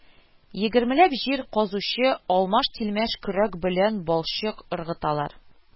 Егермеләп җир казучы алмаш-тилмәш көрәк белән балчык ыргыталар